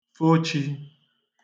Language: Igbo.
fo chi